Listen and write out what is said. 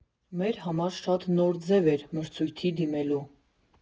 Մեր համար շատ նոր ձև էր մրցույթի դիմելու։